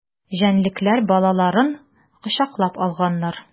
Җәнлекләр балаларын кочаклап алганнар.